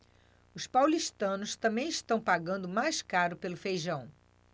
os paulistanos também estão pagando mais caro pelo feijão